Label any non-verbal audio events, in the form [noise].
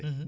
[hesitation] [hesitation]